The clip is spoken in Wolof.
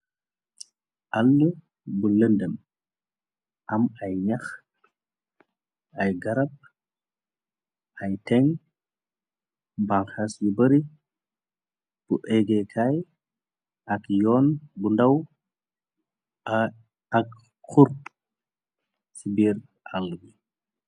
Allë bu lëndem, am ay ñax, ay garab ay teng, banxaas yu bari bu, éggé kaay, ak yoon bu ndaw, ak xur ci biir allë bi.